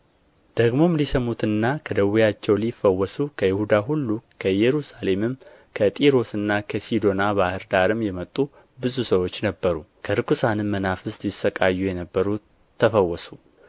ደግሞም ሊሰሙትና ከደዌአቸው ሊፈወሱ ከይሁዳ ሁሉ ከኢየሩሳሌምም ከጢሮስና ከሲዶና ባሕር ዳርም የመጡ ብዙ ሰዎች ነበሩ ከርኵሳንም መናፍስት ይሠቃዩ የነበሩት ተፈወሱ